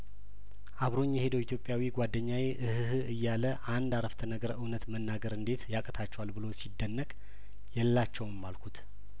አብሮኝ የሄደው ኢትዮጵያዊ ጓደኛዬ እህህ እያለ አንድ አረፍተ ነገር እውነት መናገር እንዴት ያቅታቸዋል ብሎ ሲደነቅ የላቸውም አልኩት